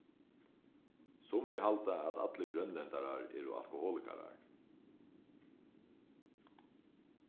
summi halda at allir grønlendarar eru alkoholikarar